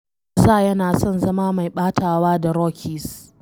Scherzer yana son zama mai ɓatawa da Rockies